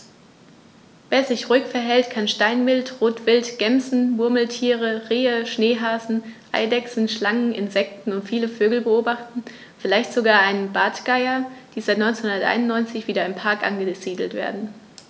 Wer sich ruhig verhält, kann Steinwild, Rotwild, Gämsen, Murmeltiere, Rehe, Schneehasen, Eidechsen, Schlangen, Insekten und viele Vögel beobachten, vielleicht sogar einen der Bartgeier, die seit 1991 wieder im Park angesiedelt werden.